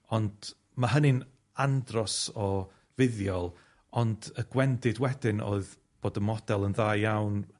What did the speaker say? Ond ma' hynny'n andros o fuddiol, ond y gwendid wedyn o'dd bod y model yn dda iawn